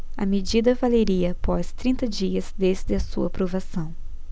a medida valeria após trinta dias desde a sua aprovação